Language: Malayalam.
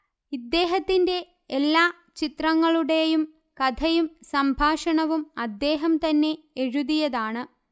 ഇദ്ദേഹത്തിന്റെ എല്ലാ ചിത്രങ്ങളുടെയും കഥയും സംഭാഷണവും അദ്ദേഹംതന്നെ എഴുതിയതാണ്